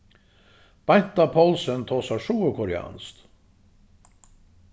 beinta poulsen tosar suðurkoreanskt